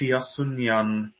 trio swnion